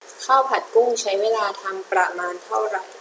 ข้าวผัดกุ้งใช้เวลาทำประมาณเท่าไหร่